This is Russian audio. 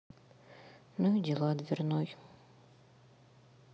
ну и дела дверной